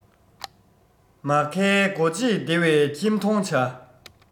མ མཁའི སྒོ འབྱེད བདེ བའི ཁྱིམ མཐོང བྱ